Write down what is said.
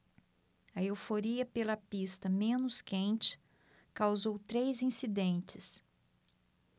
a euforia pela pista menos quente causou três incidentes